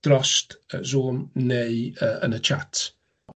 Drost yy Zoom neu yy yn y chat.